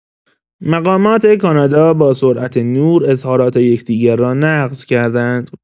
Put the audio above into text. مقامات کانادا با سرعت نور اظهارات یکدیگر را نقض کردند.